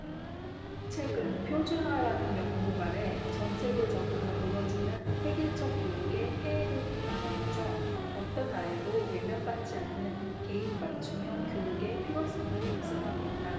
책은 표준화라는 명목 아래 전세계적으로 이뤄지는 획일적 교육의 폐해를 비판하면서 어떤 아이도 외면 받지 않는 개인 맞춤형 교육의 필요성을 역설하고 있다